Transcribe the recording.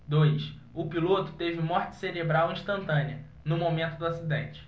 dois o piloto teve morte cerebral instantânea no momento do acidente